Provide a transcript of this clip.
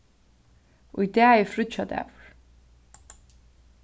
í dag er fríggjadagur